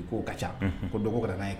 I k'o ka ca ko dɔgɔ n'a kɛ